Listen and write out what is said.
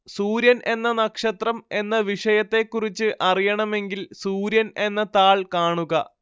സൂര്യന്‍ എന്ന നക്ഷത്രം എന്ന വിഷയത്തെക്കുറിച്ച് അറിയണമെങ്കില്‍ സൂര്യന്‍ എന്ന താള്‍ കാണുക